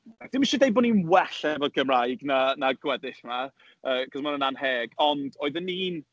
Dwi'm isie deud bo' ni'n well efo'r Gymraeg na na gweddill 'ma, yy cos ma' hwnna'n anheg. Ond oedden ni'n...